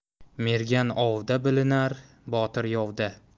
mergan ovda bilinar botir yovda